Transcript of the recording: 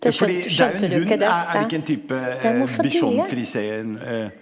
ja fordi det er jo en hund, er er det ikke en type bichon frise ?